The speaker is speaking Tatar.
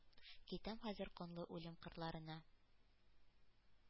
Китәм хәзер канлы үлем кырларына!